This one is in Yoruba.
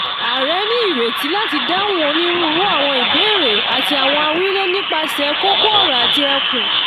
Ààrẹ ní ìrètí láti dáhùn onírúurú àwọn ìbéèrè àti àwọn àwílé nípasẹ̀ kókó-ọ̀rọ̀ àti ẹkùn.